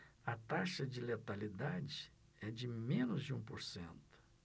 a taxa de letalidade é de menos de um por cento